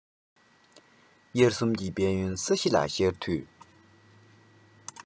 དབྱར གསུམ གྱི དཔལ ཡོན ས གཞི ལ ཤར དུས